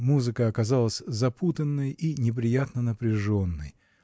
музыка оказалась запутанной и неприятно напряженной